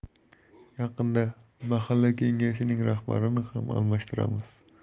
yaqinda mahalla kengashining rahbarini ham almashtiramiz